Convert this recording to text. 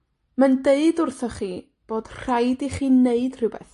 Mae'n deud wrthoch chi bod rhaid i chi neud rhwbeth.